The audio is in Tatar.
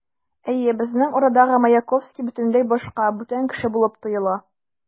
Әйе, безнең арадагы Маяковский бөтенләй башка, бүтән кеше булып тоела.